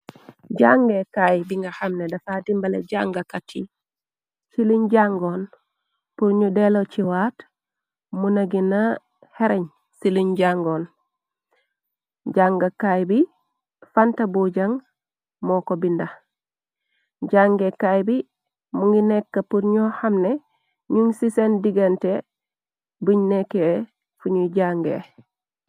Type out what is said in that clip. Jangeh kaay bi nga xamne dafa dimbaleh jangakat yi, ci lungh jangon pur nju delo chi waat, muna gehna haarengh ci lungh jangon, jangah kaay bi santa bojang mokor binda, jangeh kaay bi mungi nekka pur njur xamne njung ci sehn diganteh bungh nehkeh fu njuiy jaangeh.